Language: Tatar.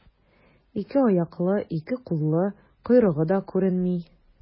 Ике аяклы, ике куллы, койрыгы да күренми.